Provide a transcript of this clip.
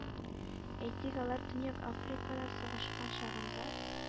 Әйтик, алар Төньяк Африкада сугышкан чагында